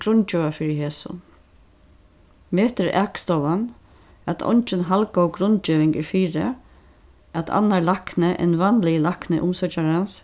grundgeva fyri hesum metir akstovan at eingin haldgóð grundgeving er fyri at annar lækni enn vanligi lækni umsøkjarans